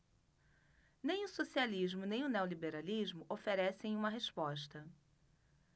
nem o socialismo nem o neoliberalismo oferecem uma resposta